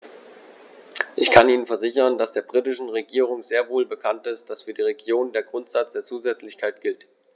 Ich kann Ihnen versichern, dass der britischen Regierung sehr wohl bekannt ist, dass für die Regionen der Grundsatz der Zusätzlichkeit gilt.